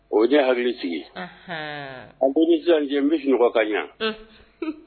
O ye hakili sigi anpsanji n bɛ sunɔgɔ ka ɲɛ